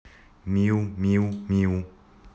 миу миу миу